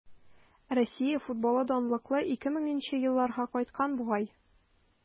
Россия футболы данлыклы 2000 нче елларга кайткан бугай.